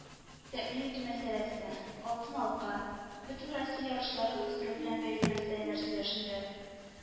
Тәэмин итү мәсьәләсе, алтын алка бөтенроссия ярышларын уздыру белән бәйле мәсьәләләр сөйләшенде